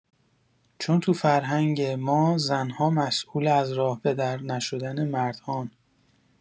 چون تو فرهنگ ما زن‌ها مسئول از راه به در نشدن مردهان.